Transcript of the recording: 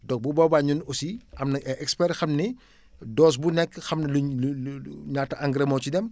donc bu boobaa ñun aussi am nañ ay experts xam ni dose bu nekk xam na luñ luñ ñaata engrais moo ci dem